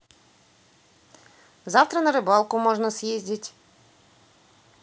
завтра на рыбалку можно съездить